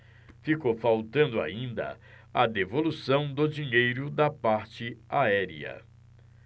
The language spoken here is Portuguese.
ficou faltando ainda a devolução do dinheiro da parte aérea